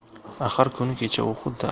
axir kuni kecha u xuddi